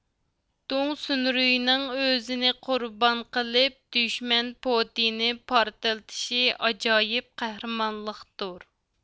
دۇڭ سۇنرۇينىڭ ئۆزىنى قۇربان قىلىپ دۈشمەن پوتىيىنى پارتلىتىشى ئاجايىپ قەھرىمانلىقتۇر